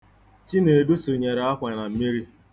Chinedu sụnyere akwa na mmiri.